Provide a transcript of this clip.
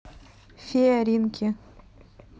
фея ринки